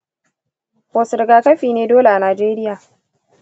wasu rigakafi ne dole a najeriya?